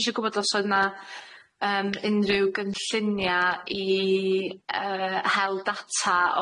isho gwbod os oedd 'na yym unrhyw gynllunia' i yy hel data